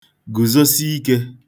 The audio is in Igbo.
gùzosi ikē